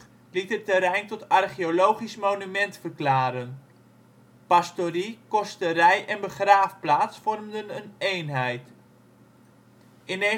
terrein tot archeologisch monument verklaren. Pastorie, kosterij en begraafplaats vormden een eenheid. In 1988